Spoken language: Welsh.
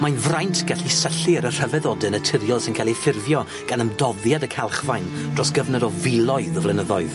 Mae'n fraint gallu syllu ar y rhyfeddode naturiol sy'n ca'l 'i ffurfio gan ymdoddiad y calchfaen dros gyfnod o filoedd o flynyddoedd.